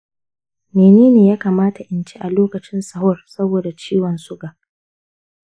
mene ne ya kamata in ci a lokacin sahur saboda ciwon suga?